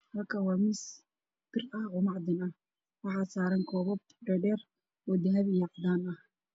Halkaan waa miis bir ah oo macdin ah waxaa saran kobaab dhe dheer oo dahabi iyo cadan ah